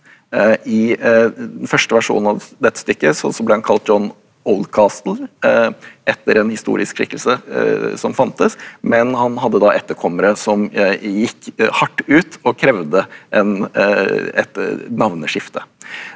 i den første versjonen av dette stykket så så ble han kalt John Oldcastle etter en historisk skikkelse som fantes, men han hadde da etterkommere som gikk hardt ut og krevde en et navneskifte.